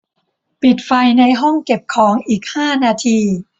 ปิดไฟในห้องเก็บของอีกห้านาที